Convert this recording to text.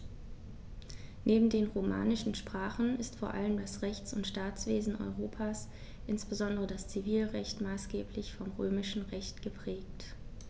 Neben den romanischen Sprachen ist vor allem das Rechts- und Staatswesen Europas, insbesondere das Zivilrecht, maßgeblich vom Römischen Recht geprägt.